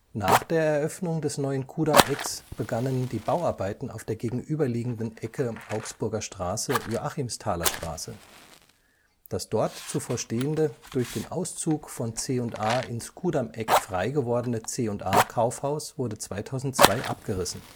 Nach der Eröffnung des neuen Ku’ damm-Ecks begannen die Bauarbeiten auf der gegenüberliegenden Ecke Augsburger Straße/Joachimstaler Straße. Das dort zuvor stehende, durch den Auszug von C&A ins Ku’ damm-Eck frei gewordene C&A-Kaufhaus wurde 2002 abgerissen